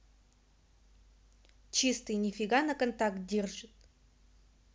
чистый нифига на контакт держит